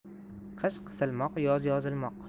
qish qisilmoq yoz yozilmoq